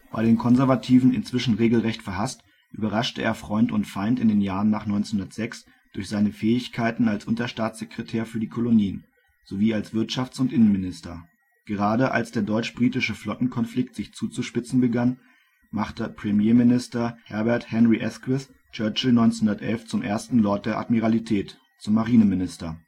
Bei den Konservativen inzwischen regelrecht verhasst, überraschte er Freund und Feind in den Jahren nach 1906 durch seine Fähigkeiten als Unterstaatssekretär für die Kolonien, sowie als Wirtschafts - und Innenminister. Gerade als der deutsch-britische Flottenkonflikt sich zuzuspitzen begann, machte Premierminister Herbert Henry Asquith Churchill 1911 zum Ersten Lord der Admiralität, zum Marineminister